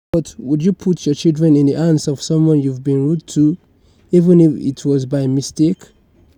"But would you put your children in the hands of someone you've been rude to, even if it was by mistake?